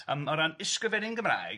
Yym o ran ysgrifennu'n Gymraeg,